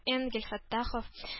Энгель Фәттахов